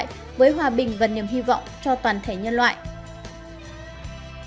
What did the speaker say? với hòa bình và niềm hy vọng cho toàn thể nhân loại